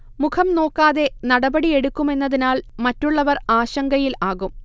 മുഖം നോക്കാതെ നടപടി എടുക്കുമെന്നതിനാൽ മറ്റുള്ളവർ ആശങ്കയിൽ ആകും